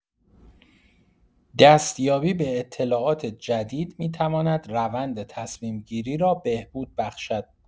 دستیابی به اطلاعات جدید می‌تواند روند تصمیم‌گیری را بهبود بخشد.